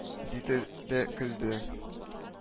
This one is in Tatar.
— диде дә көлде